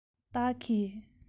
བདག གིས